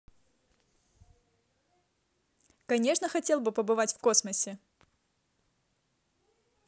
конечно хотел бы побывать в космосе